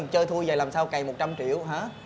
chơi thua vầy làm sao cày một trăm triệu hả